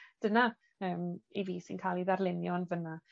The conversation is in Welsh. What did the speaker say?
dyna yym i fi sy'n ca'l 'i ddarlunio yn fynna.